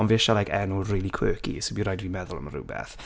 Ond fi isie like enw really quirky, so fydd rhaid i fi meddwl am rywbeth.